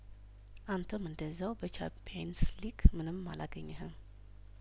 አንተም እንደዚያው በቻምፒየንስ ሊግምንም አላገኘ ህም